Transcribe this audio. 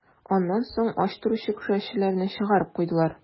Аннан соң ач торучы көрәшчеләрне чыгарып куйдылар.